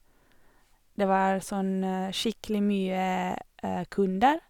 Det var sånn skikkelig mye kunder.